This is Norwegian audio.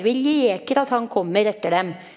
vi leker at han kommer etter dem.